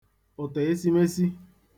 ụ̀tọ̀esimesi